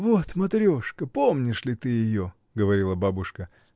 — Вот Матрешка: помнишь ли ты ее? — говорила бабушка.